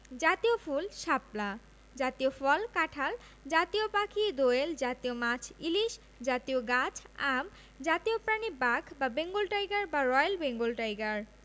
জাতীয় ফুলঃ শাপলা জাতীয় ফলঃ কাঁঠাল জাতীয় পাখিঃ দোয়েল জাতীয় মাছঃ ইলিশ জাতীয় গাছঃ আম জাতীয় প্রাণীঃ বাঘ বা বেঙ্গল টাইগার বা রয়েল বেঙ্গল টাইগার